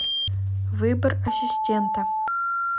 выбор ассистента